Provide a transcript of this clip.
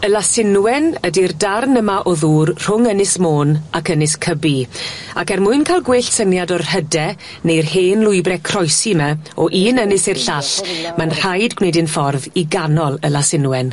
Y lasinwen ydi'r darn yma o ddŵr rhwng Ynys Môn ac Ynys Cybi, ac er mwyn ca'l gwell syniad o'r hyde, neu'r hen lwybre croesi 'ma, o un ynys i'r llall, ma'n rhaid gwneud un ffordd i ganol y lasinwen.